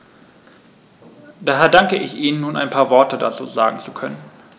Daher danke ich Ihnen, nun ein paar Worte dazu sagen zu können.